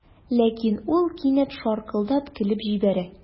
Ләкин ул кинәт шаркылдап көлеп җибәрә.